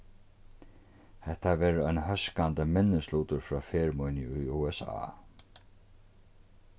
hetta verður ein hóskandi minnislutur frá ferð míni í usa